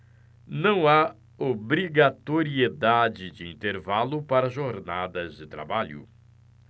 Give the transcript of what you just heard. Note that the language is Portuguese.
não há obrigatoriedade de intervalo para jornadas de trabalho